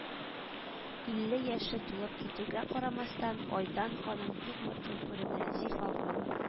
Илле яше тулып китүгә карамастан, Айдан ханым бик матур күренә, зифа буйлы